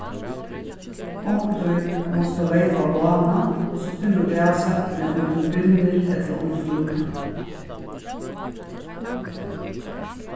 onkuntíð mást tú leypa á bláman og so finna út av seinni um tú grynnir ella um tú druknar